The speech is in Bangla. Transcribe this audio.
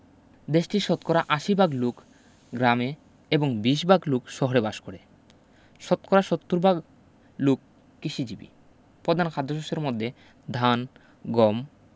দেশটির শতকরা ৮০ ভাগ লুক গ্রামে এবং ২০ ভাগ লুক শহরে বাস করে শতকরা ৭০ ভাগ লুক কিষিজীবী পধান খাদ্যশস্যের মধ্যে ধান গম